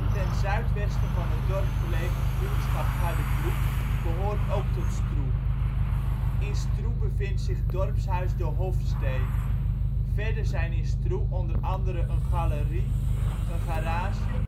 ten zuidwesten van het dorp gelegen buurtschap Garderbroek, behoort ook tot Stroe. In Stroe bevindt zich dorpshuis De Hofstee. Verder zijn in Stroe onder andere een galerie, een garage